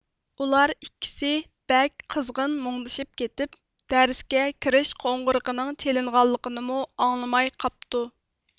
ئۇلار ئىككىسى بەك قىزغىن مۇڭدىشىپ كېتىپ دەرسكە كىرىش قوڭغۇرىقىنىڭ چېلىنغانلىقىنىمۇ ئاڭلىماي قاپتۇ